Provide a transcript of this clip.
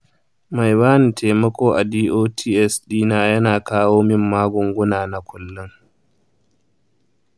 mai bani taimako a dots ɗina yana kawo min magunguna na kullun.